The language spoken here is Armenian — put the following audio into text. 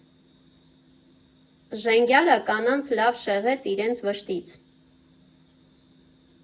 Ժենգյալը կանանց լավ շեղեց իրենց վշտից։